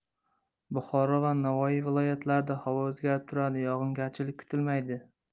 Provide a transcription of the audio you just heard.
buxoro va navoiy viloyatlarida havo o'zgarib turadi yog'ingarchilik kutilmaydi